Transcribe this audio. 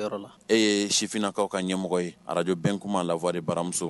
E ye sifininakaw ka ɲɛmɔgɔ ye arajo bɛɛ kuma lawa baramuso